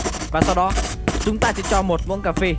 và sau đó cho muỗng cafe